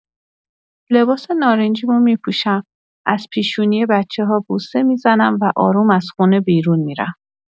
لباس نارنجی‌مو می‌پوشم، از پیشونی بچه‌ها بوسه می‌زنم و آروم از خونه بیرون می‌رم.